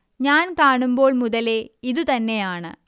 ഞാൻ കാണുമ്പോൾ മുതലേ ഇതു തന്നെയാണ്